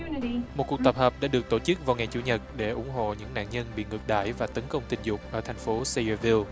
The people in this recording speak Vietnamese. một cuộc tập hợp đã được tổ chức vào ngày chủ nhật để ủng hộ những nạn nhân bị ngược đãi và tấn công tình dục ở thành phố sây ơ viu